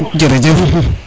jerejef